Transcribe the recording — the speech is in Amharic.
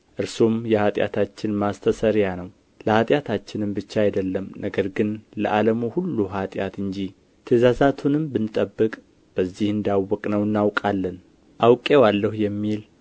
እርሱም የኃጢአታችን ማስተስሪያ ነው ለኃጢአታችንም ብቻ አይደለም ነገር ግን ለዓለሙ ሁሉ ኃጢአት እንጂ ትእዛዛቱንም ብንጠብቅ በዚህ እንዳወቅነው እናውቃለን አውቄዋለሁ የሚል